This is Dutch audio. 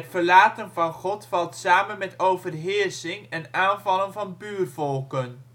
verlaten van God valt samen met overheersing en aanvallen van buurvolken